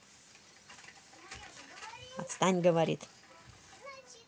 отстань говорит